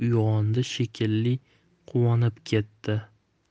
uyg'ondi shekilli quvonib ketdi